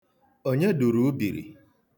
Onye dụrụ ubiri?